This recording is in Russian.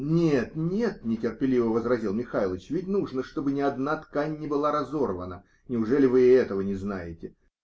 -- Ах, нет, нет, -- нетерпеливо возразил "Михайлыч", -- ведь нужно, чтобы ни одна ткань не была разорвана. Неужели вы и этого не знаете?